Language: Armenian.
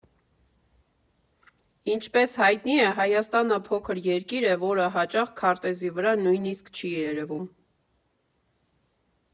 Ինչպես հայտնի է, Հայաստանը փոքր երկիր է, որը հաճախ քարտեզի վրա նույնիսկ չի երևում։